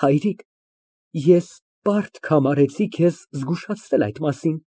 Հայրիկ, ես պարտք համարեցի քեզ զգուշացնել այդ մասին։